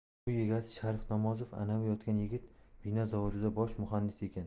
uy egasi sharif namozov anavi yotgan yigit vino zavodida bosh muhandis ekan